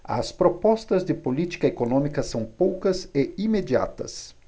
as propostas de política econômica são poucas e imediatas